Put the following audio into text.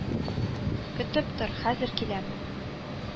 Көтеп тор, хәзер киләм